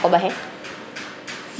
xa qomba xe